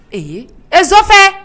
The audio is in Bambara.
Ee ɛ nson fɛ